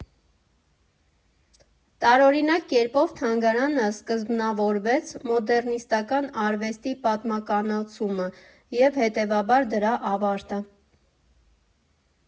Տարօրինակ կերպով, թանգարանը սկզբնավորվեց մոդեռնիստական արվեստի պատմականացումը և, հետևաբար՝ դրա ավարտը։